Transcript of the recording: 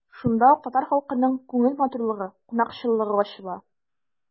Шунда ук татар халкының күңел матурлыгы, кунакчыллыгы ачыла.